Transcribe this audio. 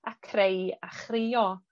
a creu a chrio.